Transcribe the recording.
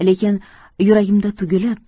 lekin yuragimda tugilib